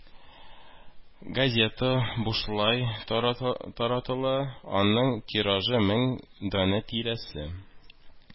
Газета бушлай таратыла, аның тиражы – мең данә тирәсе